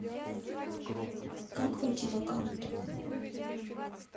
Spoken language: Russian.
как войти в аккаунт